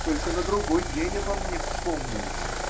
***-- Только на другой день обо мне вспомнили.